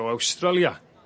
o Awstralia.